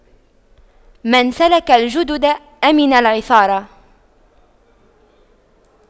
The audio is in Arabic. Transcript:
من سلك الجدد أمن العثار